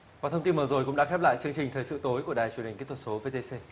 và thông tin mà rồi cũng đã khép lại chương trình thời sự tối của đài truyền hình kỹ thuật số vê tê xê